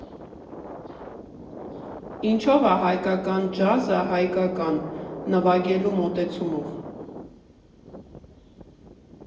Ինչո՞վ ա հայկական ջազը հայկական՝ նվագելու մոտեցումով։